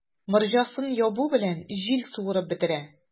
Морҗасын ябу белән, җил суырып бетерә.